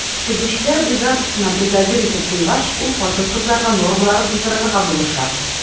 Тегүчеләр бригадасына бригадир итеп куйгач, ул хатын-кызларга нормаларын тутырырга булыша.